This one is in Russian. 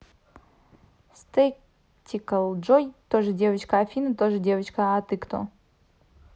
statica джой тоже девочка афина тоже девочка а ты кто